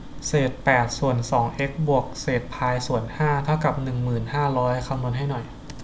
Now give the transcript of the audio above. เศษแปดส่วนสองเอ็กซ์บวกเศษพายส่วนห้าเท่ากับหนึ่งหมื่นห้าร้อยคำนวณให้หน่อย